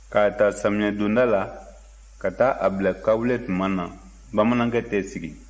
k'a ta samiyɛdonda la ka taa a bila kawulɛ tuma na bamanankɛ tɛ sigi